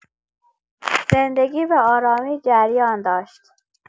زندگی به‌آرامی جریان داشت.